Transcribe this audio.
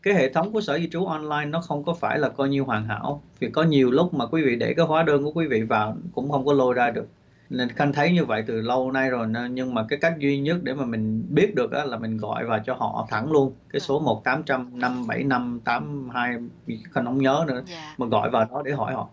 cái hệ thống của sở di trú on lai nó không có phải là coi như hoàn hảo vì có nhiều lúc mà quý vị để cái hóa đơn của quý vị vào cũng không có lôi ra được nên cảm thấy như vậy từ lâu nay rồi nhưng mà cái cách duy nhất để mà mình biết được là mình gọi vào cho họ thẳng luôn cái số một tám trăm năm bảy năm tám hai khanh không nhớ nữa mình gọi vào nó để hỏi họ